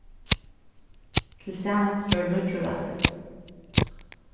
til samans vóru níggju rættir